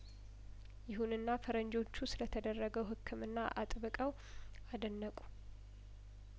ይሁንና ፈረንጆቹ ስለተደረገው ህክምና አጥብቀው አደነቁ